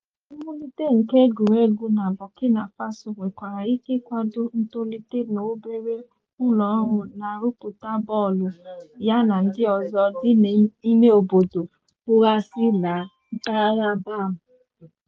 Mwulite nke egwuregwu na Burkina Faso nwekwara ike kwado ntolite n'obere ụlọọrụ na-arụpụta bọọlụ (ya na ndị ọzọ) dị n'imeobodo Bourzanga na mpaghara Bam.